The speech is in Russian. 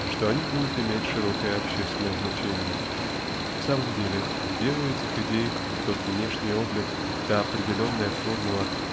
что они будут иметь широкие общественное значение. В самом деле где у этих идей тот внешний облик та определенная формула